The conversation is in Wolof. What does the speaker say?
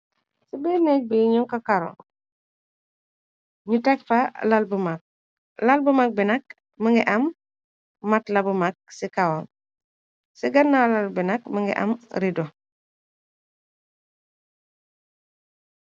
Ci biir neej bi ñu ka karon ñu tegfa lal bu mag lal bu mag lal bu mag bi nakk muge am matla bu mag ci kawam ci ganaw lal bi nag muge am redou.